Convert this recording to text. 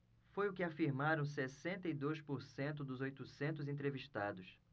foi o que afirmaram sessenta e dois por cento dos oitocentos entrevistados